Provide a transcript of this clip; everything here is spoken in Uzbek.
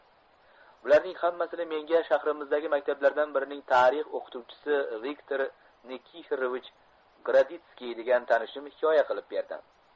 bularning hammasini menga shahrimizdagi maktablardan birining tarix o'qituvchisi viktor nikiforovich gorodetskiy degan tanishim hikoya qilib berdi